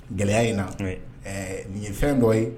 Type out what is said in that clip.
Gɛlɛya in na nin ye fɛn dɔ ye